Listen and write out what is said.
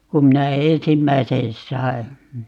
kun minä ensimmäisen sain